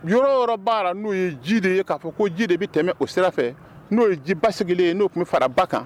Yɔrɔ yɔrɔ b'a la n'o ye ji de ye k'a fɔ ko ji de bɛ tɛmɛ o sira fɛ, n'o ye ji basigilen n'o tun bɛ fara ba kan